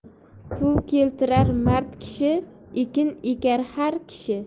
suv keltirar mard kishi ekin ekar har kishi